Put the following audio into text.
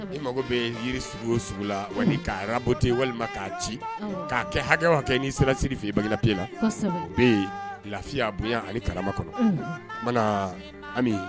Ni mago bɛ yiri sugu o sugu la wa k'a arabu ten walima k'a ci k'a kɛ hakɛ kɛ n'i serasiri fɛ i bange pe la bɛ yen lafiya bonya ani karama kɔnɔ mana ami